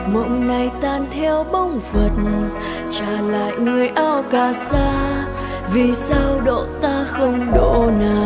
mộng này tan theo bóng phật trả lại người áo cà sa vì sao độ ta không độ nàng